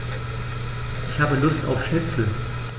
Ich habe Lust auf Schnitzel.